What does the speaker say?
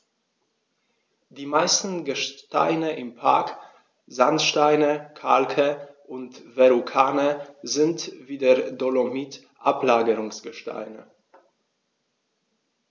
Die meisten Gesteine im Park – Sandsteine, Kalke und Verrucano – sind wie der Dolomit Ablagerungsgesteine.